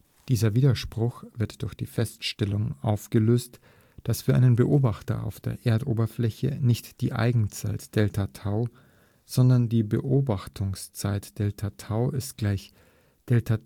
Dieser Widerspruch wird durch die Feststellung aufgelöst, dass für einen Beobachter auf der Erdoberfläche nicht die Eigenzeit Δτ, sondern die Beobachterzeit Δt = Δτ /